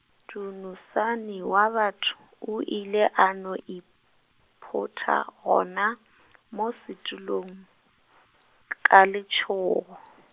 Dunusani wa batho o ile a no iphutha gona , moo setulong , k- ka letšhogo.